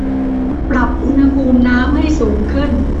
ปรับอุณหภูมิน้ำให้สูงขึ้น